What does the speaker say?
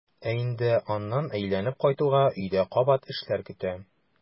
Ә инде аннан әйләнеп кайтуга өйдә кабат эшләр көтә.